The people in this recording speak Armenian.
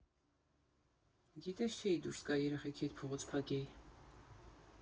Գիտես չէի դուրս գա՞ երեխեքի հետ փողոց փագեի։